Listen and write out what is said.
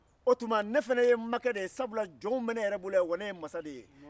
o tuma ne fana y'i makɛ de ye sabula jɔnw bɛ ne yɛrɛ bolo yan wa ne ye masa de ye